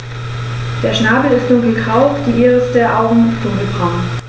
Der Schnabel ist dunkelgrau, die Iris der Augen dunkelbraun.